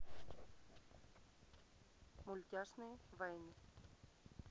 мультяшные вайны